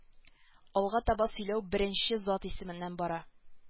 Алга таба сөйләү беренче зат исеменнән бара